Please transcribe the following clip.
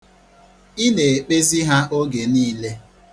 Ị na-ekpezi ha oge niile.